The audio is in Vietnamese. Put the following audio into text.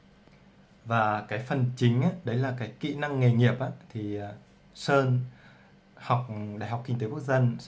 và phần chính là kỹ năng nghề nghiệp sơn học đh kinh tế quốc dân